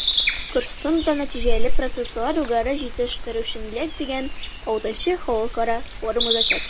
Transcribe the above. “корстон”да “нәтиҗәле процесслар-югары җитештерүчәнлек” дигән vι халыкара форум узачак.